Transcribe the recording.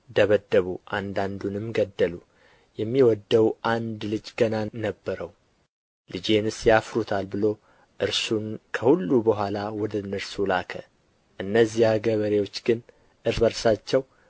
ደበደቡ አንዳንዱንም ገደሉ የሚወደው አንድ ልጅ ገና ነበረው ልጄንስ ያፍሩታል ብሎ እርሱን ከሁሉ በኋላ ወደ እነርሱ ላከ እነዚያ ገበሬዎች ግን እርስ በርሳቸው